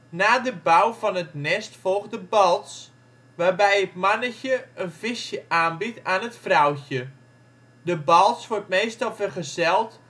Na de bouw van het nest volgt de balts, waarbij het mannetje een visje aanbiedt aan het vrouwtje. De balts wordt meestal vergezeld